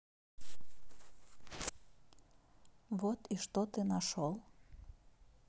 вот и что ты нашел